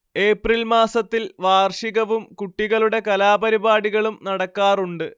April മാസത്തിൽ വാർഷികവും കുട്ടികളുടെ കലാപരിപാടികളും നടക്കാറുണ്ട്